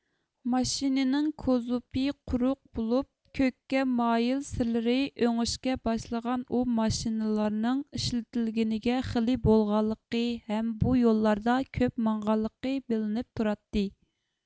ماشىنىنىڭ كوزۇپى قۇرۇق بولۇپ كۆككە مايىل سىرلىرى ئۆڭۈشكە باشلىغان ئۇ ماشىنىلارنىڭ ئىشلىتىلگىنىگە خېلى بولغانلىقى ھەم بۇ يوللاردا كۆپ ماڭغانلىقى بىلىنىپ تۇراتتى